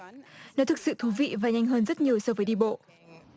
nếu thực sự thú vị và nhanh hơn rất nhiều so với đi bộ